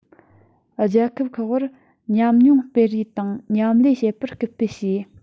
རྒྱལ ཁབ ཁག བར ཉམས མྱོང སྤེལ རེས དང མཉམ ལས བྱེད པར སྐུལ སྤེལ བྱས